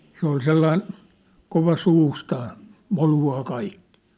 se oli sellainen kova suustaan moluamaan kaikkia